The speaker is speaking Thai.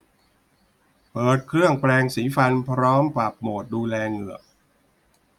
เปิดเครื่องแปรงสีฟันพร้อมปรับโหมดดูแลเหงือก